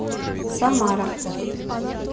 самара